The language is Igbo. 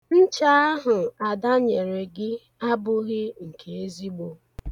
Ncha ahụ Ada nyere gị abụghị nke ezigbo.